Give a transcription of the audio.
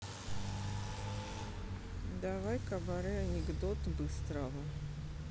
давай кабаре анекдот быстрова